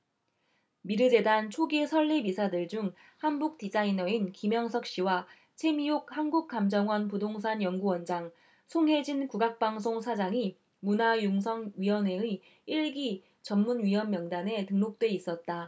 미르재단 초기 설립 이사들 중 한복디자이너인 김영석씨와 채미옥 한국감정원 부동산연구원장 송혜진 국악방송 사장이 문화융성위원회의 일 기 전문위원 명단에 등록돼 있었다